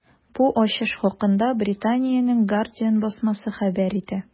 Бу ачыш хакында Британиянең “Гардиан” басмасы хәбәр итә.